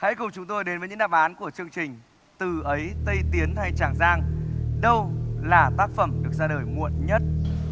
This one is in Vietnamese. hãy cùng chúng tôi đến với những đáp án của chương trình từ ấy tây tiến hay tràng giang đâu là tác phẩm được ra đời muộn nhất